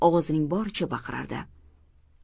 ovozining boricha baqirardi